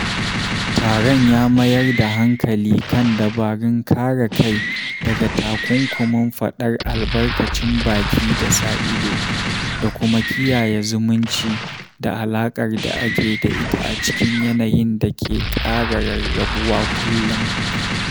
Taron ya mayar da hankali kan dabarun kare kai daga takunkumin faɗar albarkacin baki da sa-ido, da kuma kiyaye zumunci da alaƙar da ake da ita a cikin yanayi da ke kara rarrabuwa kullum.